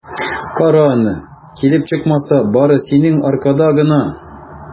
Кара аны, килеп чыкмаса, бары синең аркада гына!